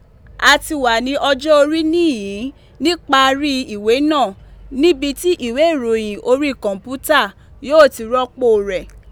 A ti wà ní ọjọ́ orí níhìn ín níparíi ìwé náà, níbi tí ìwé ìròyìn orí kọ̀m̀pútà yóò ti rọ́pò rẹ̀.